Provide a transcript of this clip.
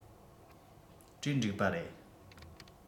གྲོས འགྲིག པ རེད